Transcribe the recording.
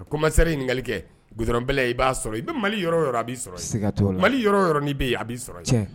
Komaseri ɲininkali kɛ goudron bɛlɛ i b'a sɔrɔ i bɛ Mali yɔrɔ o yɔrɔ a b'i sɔrɔ yen, siga t'o la, Mali yɔrɔ o yɔrɔ n'i bɛ yen a b'i sɔrɔ yen, tiɲɛ